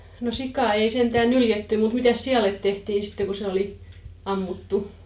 no sikaa ei sentään nyljetty mutta mitäs sialle tehtiin sitten kun se oli ammuttu